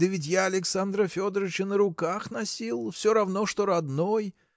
Да ведь я Александра Федорыча на руках носил: все равно, что родной.